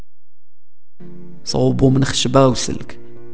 صوبه من خشب او سلك